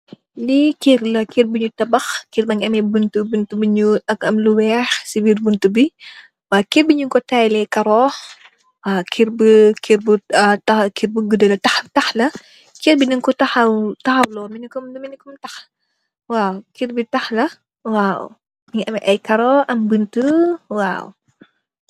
Lii kër la, kër baa ngi am buntu bu ñuul, am lu weex si birr buntu bi. Waay kër bi ñunk ko taayilee caroo. Waaw, kër bu guda la, taax la, kër bi ñunk kom taax. Ker bi taax la, waaw, mungi am ay caroo, am buntu, waaw.